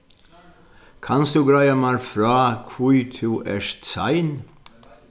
kanst tú greiða mær frá hví tú ert sein